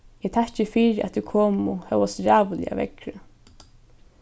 eg takki fyri at tit komu hóast ræðuliga veðrið